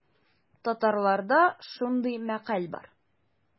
Татарларда шундый мәкаль бар.